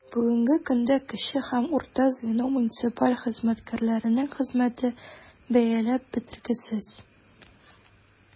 Бүгенге көндә кече һәм урта звено муниципаль хезмәткәрләренең хезмәте бәяләп бетергесез.